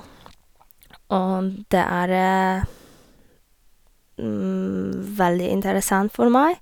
Og det er veldig interessant for meg.